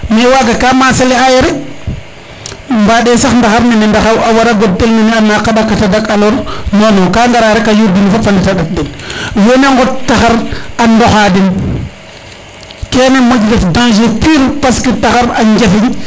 mais waga ga masale ayo rek ɓade sax ndax ndaxar nene a wara god tel nene a naqa ndaka tadak non non ga ngara rek a yudin fop a ngota ndat den wene ngot taxar a ndoxa den kene moƴ ref dangers pire parce que taxar a njafañ